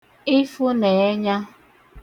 ịfụ̄nẹ̀ẹnya